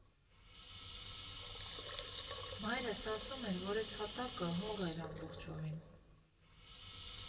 Մայրս ասում էր, որ էս հատակը հող էր ամբողջովին։